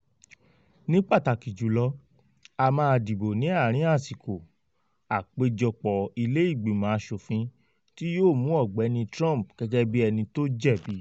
Ní pàtàkì jùlọ, a máa dìbò ní àárín àsìkò àpéjọpọ̀ Ìlé ìgbìmọ̀ aṣòfin tí yóò mú Ọ̀gbẹ́ni Trump gẹ́gẹ́ bí ẹni tó jẹ̀bi?